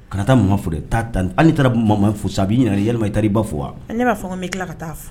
Karata taa mama foli ta tan an taara mama fosa a b'i ɲini yalima i taa i ba fo wa ɲɛ fanga bɛ tila ka taa